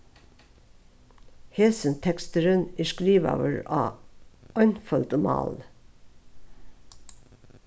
hesin teksturin er skrivaður á einføldum málið